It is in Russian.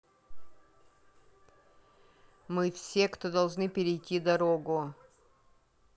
мы все кто должны перейти дорогу